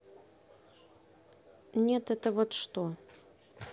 нет это вот что